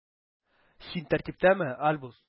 Син тәртиптәме, Альбус?